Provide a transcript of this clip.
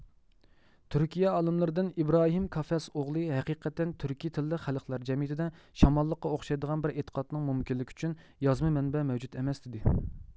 تۈركىيە ئالىملىرىدىن ئىبراھىم كافەس ئوغلى ھەقىقەتەن تۈركىي تىللىق خەلقلەر جەمئىيىتىدە شامانلىققا ئوخشايدىغان بىر ئېتىقادنىڭ مۇمكىنلىكى ئۈچۈن يازما مەنبە مەۋجۇت ئەمەس دېدى